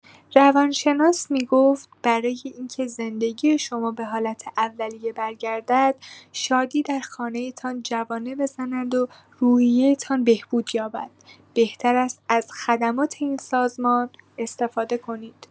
روانشناس می‌گفت برای این‌که زندگی شما به حالت اولیه برگردد، شادی در خانه‌تان جوانه بزند و روحیه‌تان بهبود یابد، بهتر است از خدمات این سازمان استفاده کنید.